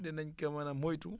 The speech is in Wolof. dinañ ko mën a moytu